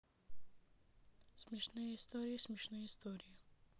смешные истории смешные истории